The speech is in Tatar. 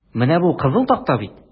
Менә бу кызыл такта бит?